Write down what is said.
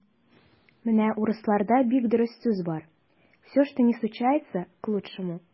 Менә урысларда бик дөрес сүз бар: "все, что ни случается - к лучшему".